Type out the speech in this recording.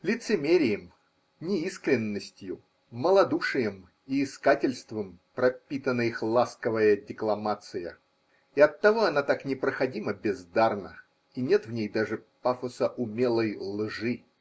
Лицемерием, неискренностью, малодушием и искательством пропитана их ласковая декламация, и оттого она так непроходимо бездарна, и нет в ней даже пафоса умелой лжи.